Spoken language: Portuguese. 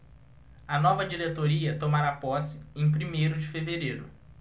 a nova diretoria tomará posse em primeiro de fevereiro